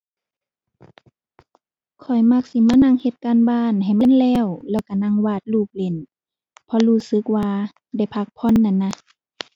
ข้อยมักสิมานั่งเฮ็ดการบ้านให้มันแล้ว แล้วก็นั่งวาดรูปเล่น เพราะรู้สึกว่าได้พักผ่อนนั้นนะ